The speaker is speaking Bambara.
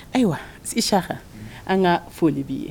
Ayiwa si sra an ka foli b'i ye